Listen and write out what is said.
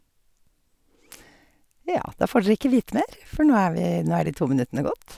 Ja, da får dere ikke vite mer, for nå er vi nå er de to minuttene gått.